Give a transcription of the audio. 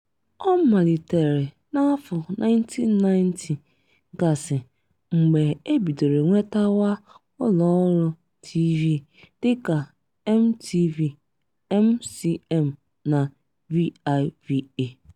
Ọ malitere n'afọ 1990 gasị mgbe e bidoro nwetawa ụlọ ọrụ TV dị ka MTV, MCM na VIVA.